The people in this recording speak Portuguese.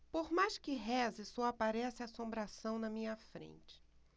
por mais que reze só aparece assombração na minha frente